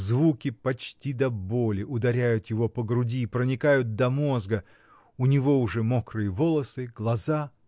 Звуки почти до боли ударяют его по груди, проникают до мозга — у него уже мокрые волосы, глаза.